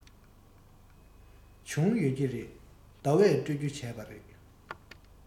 དེ བྱུང ཡོད ཀྱི རེད ཟླ བས སྤྲོད རྒྱུ བྱས པ རེད